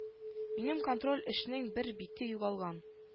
Минем контроль эшнең бер бите югалган